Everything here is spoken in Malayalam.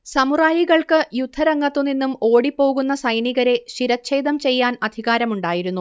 സമുറായികൾക്ക് യുദ്ധരംഗത്തുനിന്നും ഓടിപ്പോകുന്ന സൈനികരെ ശിരഛേദം ചെയ്യാൻ അധികാരമുണ്ടായിരുന്നു